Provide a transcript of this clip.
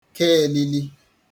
ke elili